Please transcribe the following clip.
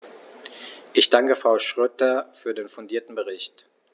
Ich danke Frau Schroedter für den fundierten Bericht.